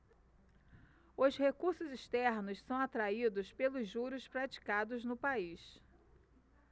os recursos externos são atraídos pelos juros praticados no país